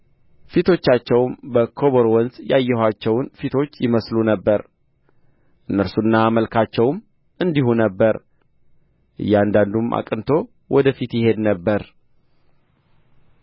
ፊቶቻቸውም በኮቦር ወንዝ ያየኋቸውን ፊቶች ይመስሉ ነበር እነርሱና መልካቸውም እንዲሁ ነበረ እያንዳንዱም አቅንቶ ወደ ፊት ይሄድ ነበር